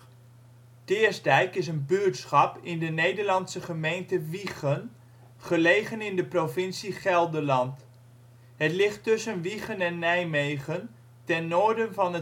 buurtschap in de Nederlandse gemeente Wijchen, gelegen in de provincie Gelderland. Het ligt tussen Wijchen en Nijmegen ten noorden van